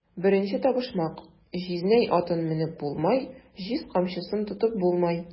Беренче табышмак: "Җизнәй атын менеп булмай, җиз камчысын тотып булмай!"